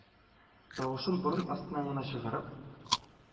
Тавышын борын астыннан гына чыгарып: